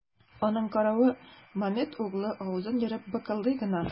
Аның каравы, Мамед углы авызын ерып быкылдый гына.